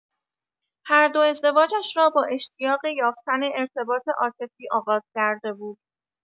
هر دو ازدواجش را با اشتیاق یافتن ارتباط عاطفی آغاز کرده بود.